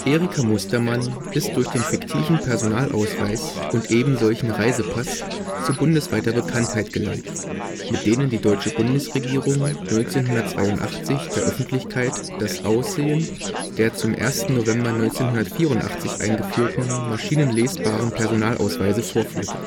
Erika Mustermann ist durch den fiktiven Personalausweis und ebensolchen Reisepass zu bundesweiter Bekanntheit gelangt, mit denen die deutsche Bundesregierung 1982 der Öffentlichkeit das Aussehen der zum 1. November 1984 eingeführten maschinenlesbaren Personalausweise vorführte